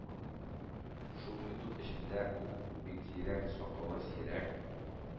Шул минут эчендә үк Бикзирәк-Сакалы сирәк